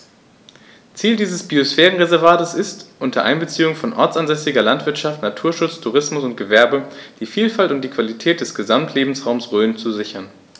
Ziel dieses Biosphärenreservates ist, unter Einbeziehung von ortsansässiger Landwirtschaft, Naturschutz, Tourismus und Gewerbe die Vielfalt und die Qualität des Gesamtlebensraumes Rhön zu sichern.